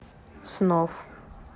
снов